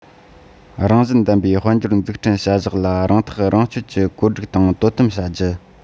རང བཞིན ལྡན པའི དཔལ འབྱོར འཛུགས སྐྲུན བྱ བཞག ལ རང ཐག རང གཅོད ཀྱི བཀོད སྒྲིག དང དོ དམ བྱ རྒྱུ